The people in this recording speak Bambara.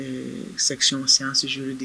Sɛkisiyɔn siyansi